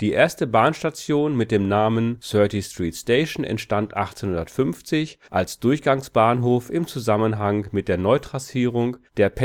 erste Bahnstation mit dem Namen 30th Street Station entstand 1850 als Durchgangsbahnhof im Zusammenhang mit der Neutrassierung der Pennsylvania